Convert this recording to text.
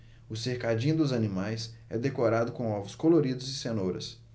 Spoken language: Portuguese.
o cercadinho dos animais é decorado com ovos coloridos e cenouras